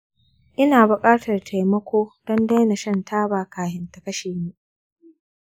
ina buƙatar taimako don daina shan taba kafin ta kashe ni.